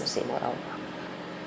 mosimo raw maaga